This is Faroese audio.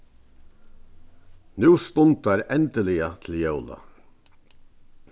nú stundar endiliga til jóla